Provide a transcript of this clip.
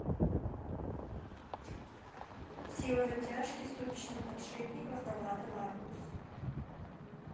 сила затяжки ступичных подшипников на лада ларгус